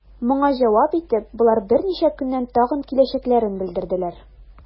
Моңа җавап итеп, болар берничә көннән тагын киләчәкләрен белдерделәр.